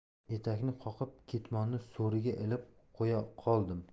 etakni qoqib ketmonni so'riga ilib qo'ya qoldim